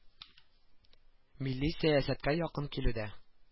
Милли сәясәткә якын килүдә